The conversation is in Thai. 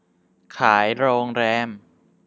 ขายโรงแรม